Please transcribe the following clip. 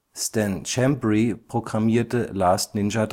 Stan Schembri programmierte Last Ninja